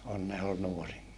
Onne oli nuorin